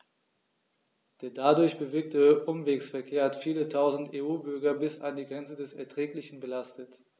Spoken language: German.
Der dadurch bewirkte Umwegsverkehr hat viele Tausend EU-Bürger bis an die Grenze des Erträglichen belastet.